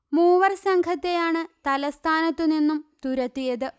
മൂവർ സംഘത്തെയാണ് തലസ്ഥാനത്തു നിന്നു തുരത്തിയത്